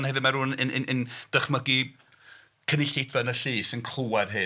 Ond hefyd ma' rywun yn yn yn dychmygu cynulleidfa yn y llys yn clywed hyn.